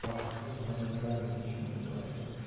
Папа сидел со мной рядом и ничего не говорил